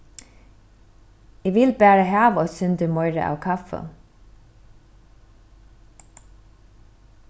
eg vil bara hava eitt sindur meira av kaffi